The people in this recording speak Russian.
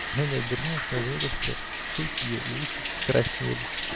Она не обернулась, но я заметил, что шейка ее и уши покраснели.